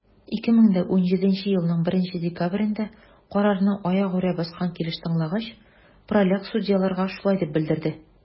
2017 елның 1 декабрендә, карарны аягүрә баскан килеш тыңлагач, праляк судьяларга шулай дип белдерде: